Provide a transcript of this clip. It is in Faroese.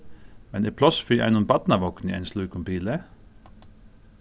men er pláss fyri einum barnavogni í einum slíkum bili